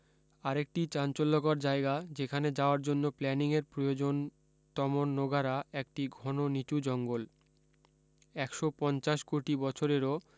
আরেকটি চাঞ্চল্যকর জায়গা যেখানে যাওয়ার জন্য প্ল্যানিঙের প্রয়োজন তমন নোগারা একটি ঘন নীচু জঙ্গল একশ পঞ্চাশ কোটি বছরেরও